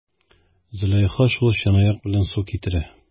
Зөләйха шул чынаяк белән су китерә.